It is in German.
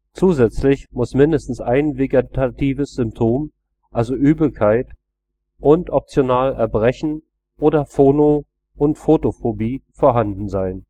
Zusätzlich muss mindestens ein vegetatives Symptom, also Übelkeit und optional Erbrechen oder Phono - und Photophobie, vorhanden sein